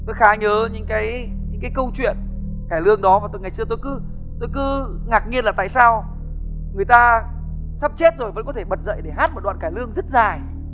tôi khá nhớ những cái những cái câu chuyện cải lương đó từ ngày xưa tôi cứ tôi cứ ngạc nhiên là tại sao người ta sắp chết rồi vẫn có thể bật dậy để hát một đoạn cải lương rất dài